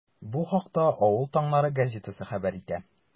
Бу хакта “Авыл таңнары” газетасы хәбәр итә.